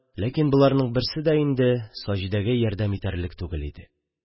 Ләкин боларның берсе дә инде Саҗидәгә ярдәм итәрлек түгел иде.